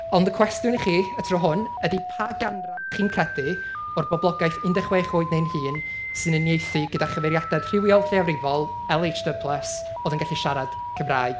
Ond y cwestiwn i chi y tro hwn ydy pa ganran dach chi'n credu o'r boblogaeth un deg chwech oed neu'n hyn sy'n unieithu gyda chyfeiriadaeth rhywiol lleafrifol LH D plus, oedd yn gallu siarad Cymraeg.